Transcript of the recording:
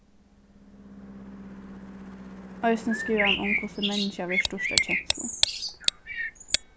eisini skrivar hann um hvussu menniskjað verður stýrt av kenslum